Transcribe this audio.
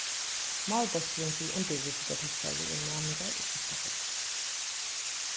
málbólkurin fyri undirvísingartilfarið eru næmingar í fimta flokki